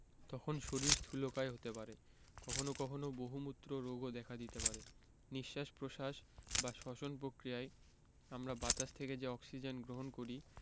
তখন শরীর স্থুলকায় হতে পারে কখনো কখনো বহুমূত্র রোগও দেখা দিতে পারে নিঃশ্বাস প্রশ্বাস বা শ্বসন প্রক্রিয়ায় আমরা বাতাস থেকে যে অক্সিজেন গ্রহণ করি